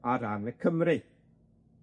ar ran y Cymry.